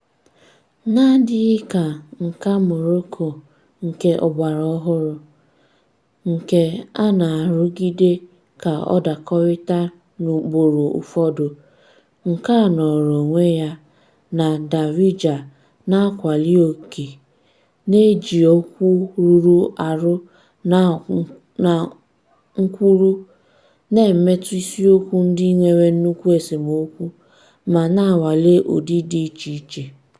N'adịghị ka nkà Morocco nke ọgbaraọhụrụ, nke a na-arụgide ka ọ dakọrịta n'ụkpụrụ ụfọdụ, nkà nọọrọ onwe ya na Darija na-akwali ókè, na-eji okwu rụrụ arụ na nkwulu, na-emetụ isiokwu ndị nwere nnukwu esemokwu, ma na-anwale ụdị dị icheiche.